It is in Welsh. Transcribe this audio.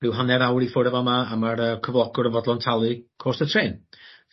ryw hanner awr i ffwr o fama a ma'r yy cyflogwr yn fodlon talu cost y trên.